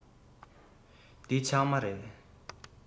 འདི ཕྱགས མ རིད